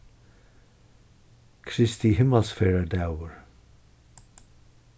kristi himmalsferðardagur